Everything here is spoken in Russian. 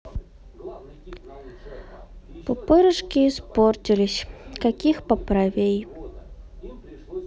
пупырышки испортились каких поправей